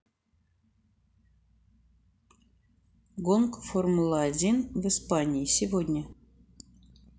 гонка формула один в испании сегодня